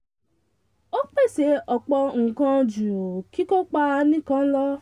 Ó pèsè ọ̀pọ̀ ǹkan jú kíkopa nìkan lọ."